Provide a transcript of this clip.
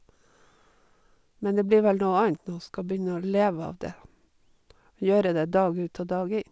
Men det blir vel noe annet når hun skal begynne å leve av det gjøre det dag ut og dag inn.